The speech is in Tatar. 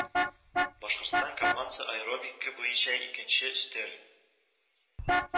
Башкортстан командасы аэробика буенча икенче, өстәл